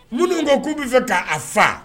Munnu ko k'u be fɛ k'a a fa